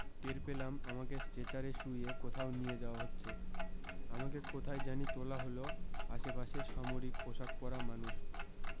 টের পেলাম আমাকে স্ট্রেচারে শুইয়ে কোথাও নিয়ে যাওয়া হচ্ছে আমাকে কোথায় জানি তোলা হলো আশেপাশে সামরিক পোশাক পরা মানুষ